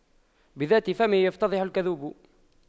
بذات فمه يفتضح الكذوب